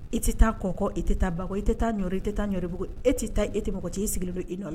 I tɛ taa kɔkɔ i tɛ taa i tɛ taa ɲɔ i tɛ taabugu e tɛ taa e tɛ mɔgɔ cɛ'i sigilen don i nɔ la